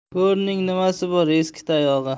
ko'rning nimasi bor eski tayog'i